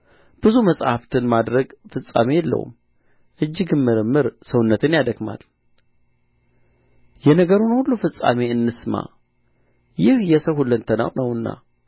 ብዙ መጻሕፍትን ማድረግ ፍጻሜ የለውም እጅግም ምርምር ሰውነትን ያደክማል የነገሩን ሁሉ ፍጻሜ እንስማ ይህ የሰው ሁለንተናው ነውና